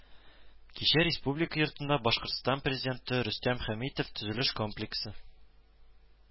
Кичә Республика йортында Башкортстан Президенты Рөстәм Хәмитов төзелеш комплексы